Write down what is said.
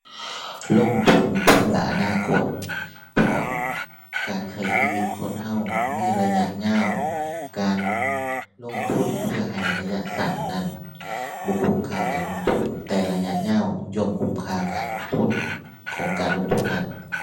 ลงทุนเพื่ออนาคต เพราะการใช้ชีวิตคนเรามีระยะยาว การลงทุนเพื่อให้ระยะสั้นนั้น บ่คุ้มค่าการลงทุน แต่ระยะยาวย่อมคุ้มค่าการลงทุนของการลงทุนนั้น